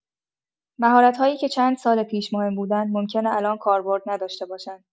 مهارت‌هایی که چند سال پیش مهم بودن، ممکنه الان کاربرد نداشته باشن.